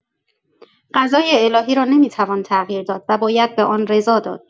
قضای الهی را نمی‌توان تغییر داد و باید به آن رضا داد.